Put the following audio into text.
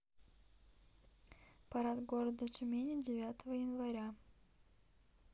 парад города тюмени девятого января